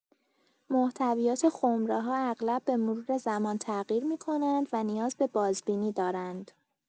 محتویات خمره‌ها اغلب به‌مرور زمان تغییر می‌کنند و نیاز به بازبینی دارند.